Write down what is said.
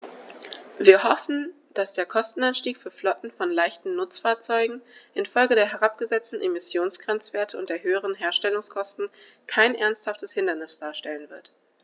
Wir hoffen, dass der Kostenanstieg für Flotten von leichten Nutzfahrzeugen in Folge der herabgesetzten Emissionsgrenzwerte und der höheren Herstellungskosten kein ernsthaftes Hindernis darstellen wird.